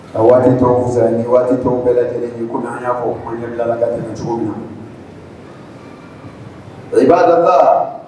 Waati z waati bɛɛ lajɛlen ye kɔmi an y'a fɔ ko anla la ka tɛmɛ na sa